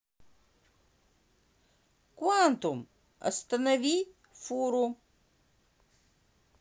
quantum останови фуру